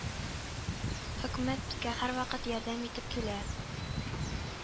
Хөкүмәт безгә һәрвакыт ярдәм итеп килә